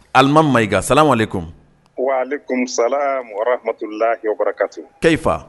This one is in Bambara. Alimami , Salaamu alayikoum. kayifa?